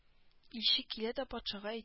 Илче килә дә патшага әй